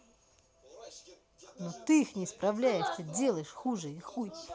ну ты их не исправляешь ты делаешь хуже и хуй